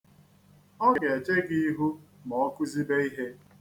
Ọ ga-eche gị ihu ma ọ kụzibe ihe.